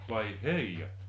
vai heijat